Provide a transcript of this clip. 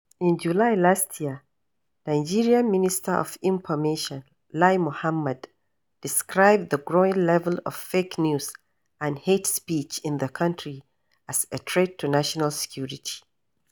In July last year, Nigerian Minister of Information Lai Mohammed described the growing level of fake news and hate speech in the country as a threat to national security.